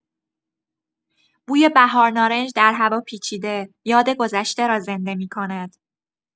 بوی بهارنارنج در هوا پیچیده، یاد گذشته را زنده می‌کند.